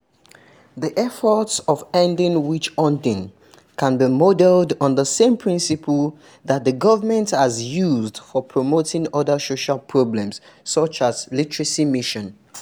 The efforts for ending witch hunting can be modeled on the same principles that the government has used for promoting other social problems such as the literacy mission.